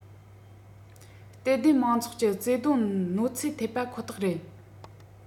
དད ལྡན མང ཚོགས ཀྱི བརྩེ དུང གནོད འཚེ ཐེབས པ ཁོ ཐག རེད